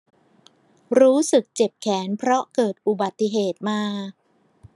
รู้สึกเจ็บแขนเพราะเกิดอุบัติเหตุมา